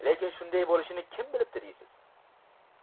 lekin shunday bo'lishini kim bilibdi deysiz